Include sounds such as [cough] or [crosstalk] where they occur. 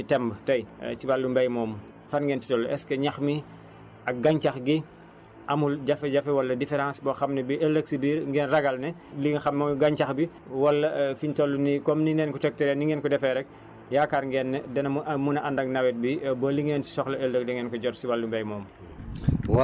waaye fi ñu toll nii temb tey si wàllu mbéy moomu fan ngeen si toll est ce que ñax mi ak gàncax gi amul jafe-jafe wala différence boo xam ne bii ëllëg si biir ngeen ragal ne li nga xam mooy gàncax bi wala [hesitation] fi ñu toll nii comme niñ leen ko tegtalee ni ngeen ko defee rek yaakaar ngeen ne dana mun a ànd ak nawet bi ba li ngeen soxla ëllëg dangeen ko jot si wàllu mbéy moomu